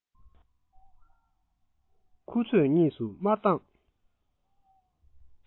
མཁུར ཚོས གཉིས སུ དམར མདངས